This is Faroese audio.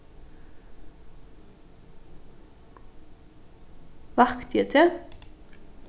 vakti eg teg